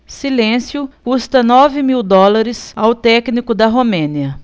silêncio custa nove mil dólares ao técnico da romênia